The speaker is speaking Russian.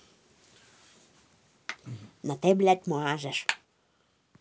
но ты блять можешь